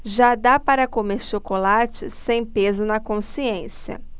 já dá para comer chocolate sem peso na consciência